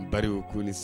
Bari ye ko